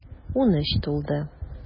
Унөч тулды.